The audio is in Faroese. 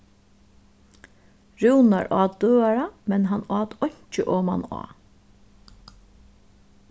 rúnar át døgurða men hann át einki omaná